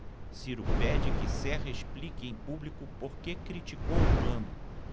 ciro pede que serra explique em público por que criticou plano